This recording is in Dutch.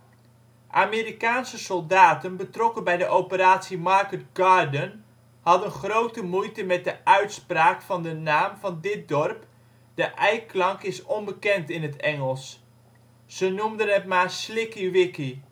Amerikaanse soldaten, betrokken bij de Operatie Market Garden, hadden grote moeite met de uitspraak van de naam van dit dorp (de ij klank is onbekend in het Engels). Ze noemen het maar Slicky Wicky